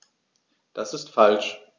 Das ist falsch.